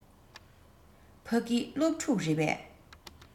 ཕ གི སློབ ཕྲུག རེད པས